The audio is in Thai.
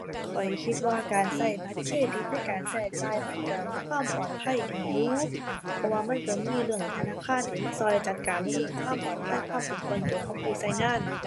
ข้อยคิดว่าการใช้บัตรเครดิตในการใช้จ่ายมันใช้มีความปลอดภัยดีอยู่ เพราะว่ามันใช้มีเรื่องธนาคารที่มาใช้จัดการในเรื่องความปลอดภัย ความเป็นส่วนใช้ของผู้ใช้งาน